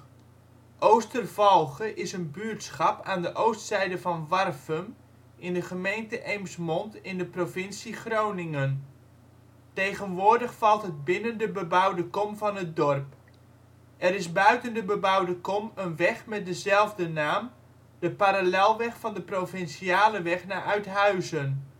buurtschap aan de oostzijde van Warffum in de gemeente Eemsmond in de provincie Groningen. Tegenwoordig valt het binnen de bebouwde kom van het dorp. Er is buiten de bebouwde kom een weg met dezelfde naam, de parallelweg van de provinciale weg naar Uithuizen